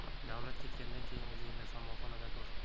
davlat ketgandan keyin o'zingni somonxonada ko'r